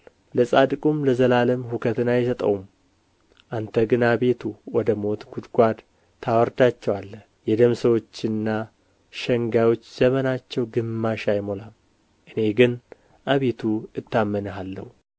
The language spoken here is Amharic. ለጻድቁም ለዘላለም ሁከትን አይሰጠውም አንተ ግን አቤቱ ወደ ሞት ጕድጓድ ታወርዳቸዋለህ የደም ሰዎችና ሸንጋዮች ዘመናቸው ግማሽ አይሞላም እኔ ግን አቤቱ እታመንሃለሁ